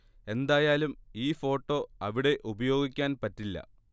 എന്തായാലും ഈ ഫോട്ടോ അവിടെ ഉപയോഗിക്കാൻ പറ്റില്ല